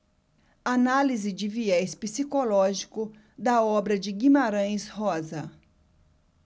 análise de viés psicológico da obra de guimarães rosa